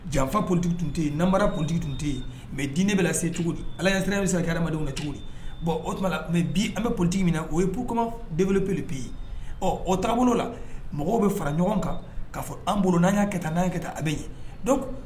Janfa politigi tun tɛ yen n naanba kuntigi tun tɛ yen mɛ dinɛ bɛ se cogodi ala sira bɛ se adamadamadenw kɛ cogodi bɔn o tuma mɛ bi an bɛ politigi min o ye pkman deelepele peye ɔ o tarawele la mɔgɔw bɛ fara ɲɔgɔn kan ka fɔ an bolo'an ka taa n'an ka taa a bɛ ye don